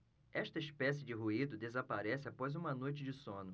esta espécie de ruído desaparece após uma noite de sono